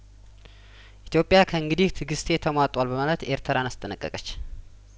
ኢትዮጵያ ከእንግዲህ ትእግስቴ ተሟጧል በማለት ኤርትራን አስጠነቀቀች